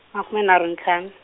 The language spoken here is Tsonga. makume nharhu ntlhanu.